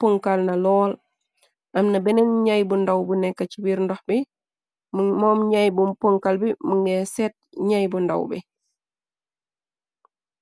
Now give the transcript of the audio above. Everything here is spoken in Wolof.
ponkal na lool amna beneen ñay bu ndàw bu nekk ci biir ndox bi moom ñay bu ponkal bi munga seet ñey bu ndaw bi